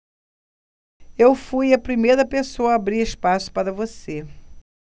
eu fui a primeira pessoa a abrir espaço para você